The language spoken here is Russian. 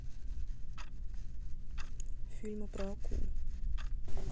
фильмы про акул